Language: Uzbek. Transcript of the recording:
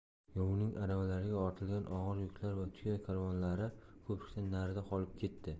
yovning aravalarga ortilgan og'ir yuklari va tuya karvonlari ko'prikdan narida qolib ketdi